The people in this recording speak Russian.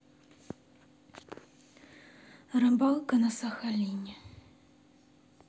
рыбалка на сахалине